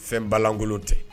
Fɛn balankolon tɛ